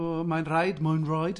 O, mae'n rhaid, mae'n roid.